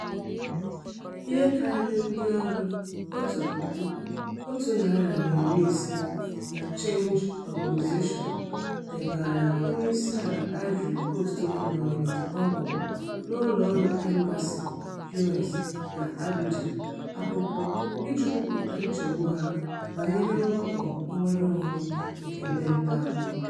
Ihe karịrị ndịọrụ 1,150 na Change.org degaara Onyeisiala Ivory Coast bụ́ Laurent Gbagbo na Ụlọọrụ Embassy US n'Abidjan akwụkwọ iji kwupụta nchegbu ha banyere mwakpo nnwereonwe nke ndị ntaakụkọ.